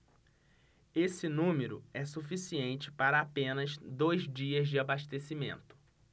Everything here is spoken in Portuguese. esse número é suficiente para apenas dois dias de abastecimento